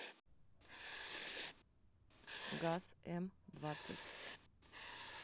газ м двадцать